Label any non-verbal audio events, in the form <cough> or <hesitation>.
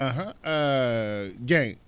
<hesitation> <hesitation> <hesitation> Dieng